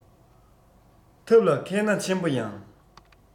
ཐབས ལ མཁས ན ཆེན པོ ཡང